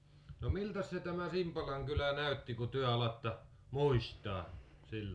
no miltäs se tämä Simpalan kylä näytti kun te alatte muistaa silloin